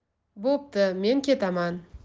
bo'pti men ketaman